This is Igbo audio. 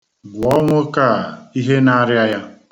Gwọọ nwoke a ihe na-arịa ya!